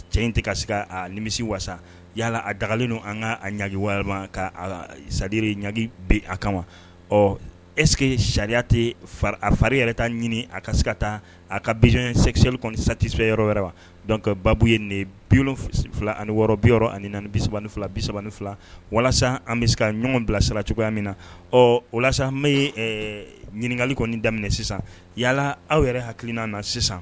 Cɛ in tɛ' se ka nimi waasa yalala a dagalen don an ka ɲagawa ka sajiri ɲaga bi a kama ɔ esseke sariya tɛ a fari yɛrɛ ta ɲini a ka se ka taa a ka binzy sɛgcsɛli kɔni satisɛ yɔrɔ yɛrɛ wa dɔn ka baabu ye nin bi fila ani wɔɔrɔ bi ani bisaban ni fila bisaban ni fila walasa an bɛ se ka ɲɔgɔn bilasira cogoya min na ɔ o ma ye ɲininkakali kɔni daminɛ sisan yala aw yɛrɛ hakilikinan na sisan